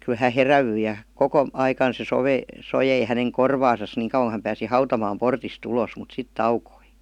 kyllä hän heräsi ja koko aikana se - soi hänen korvaansa niin kauan kun hän pääsi hautamaan portista ulos mutta sitten taukosi